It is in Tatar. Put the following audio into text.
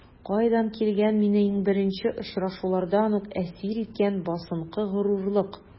Кайдан килгән мине иң беренче очрашулардан үк әсир иткән басынкы горурлык?